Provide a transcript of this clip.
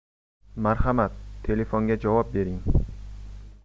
marhamat telefonga javob bering